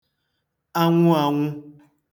anwụ ānwụ̄